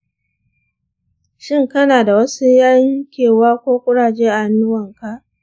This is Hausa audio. shin kana da wasu yankewa ko ƙuraje a hannuwanka?